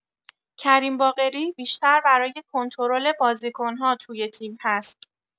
کریم باقری بیشتر برای کنترل بازیکن‌ها توی تیم هست.